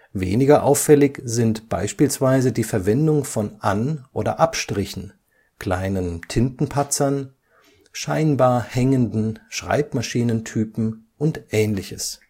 Weniger auffällig sind beispielsweise die Verwendung von An - oder Abstrichen, kleinen Tintenpatzern, scheinbar hängenden Schreibmaschinen-Typen und Ähnliches